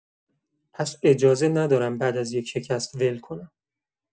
پس اجازه ندارم بعد از یه شکست ول کنم.